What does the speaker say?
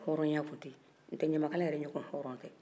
hɔrɔnya tun tɛ yen n'o tɛ ɲamakala yɛrɛ ɲɔgɔn hɔrɔn tɛ